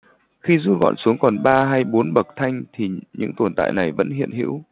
khi rút gọn xuống còn ba hay bốn bậc thanh thì những tồn tại này vẫn hiện hữu